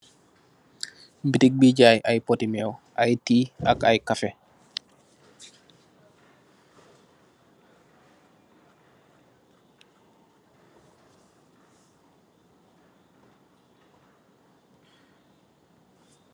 Bitik buy jaay ay pôtti meew, ay tii ak ay kafèh.